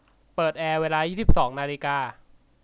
เปิดแอร์เวลายี่สิบสองนาฬิกา